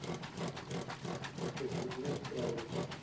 квесты дня в бравле